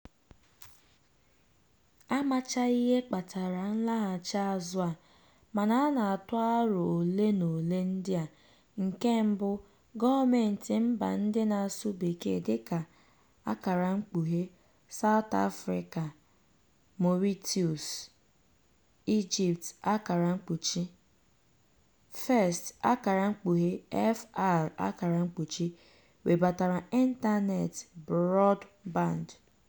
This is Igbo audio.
Amachaghị ihe kpatara nlaghachị azụ a, mana a na-atụ aro ole na ole ndị a: 1) gọọmentị mba ndị na-asụ bekee dịka (South Africa, Mauritius, Egypt) first (fr) webatara ịntaneetị brọdband.